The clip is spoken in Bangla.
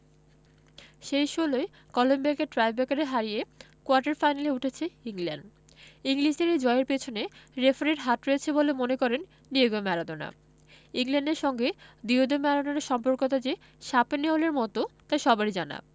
শেষ ষোলোয় কলম্বিয়াকে ট্রাইব্রেকারে হারিয়ে কোয়ার্টার ফাইনালে উঠেছে ইংল্যান্ড ইংলিশদের এই জয়ের পেছনে রেফারির হাত রয়েছে বলে মনে করেন ডিয়েগো ম্যারাডোনা ইংল্যান্ডের সঙ্গে ডিয়েগো ম্যারাডোনার সম্পর্কটা যে শাপে নেউলের মতো তা সবারই জানা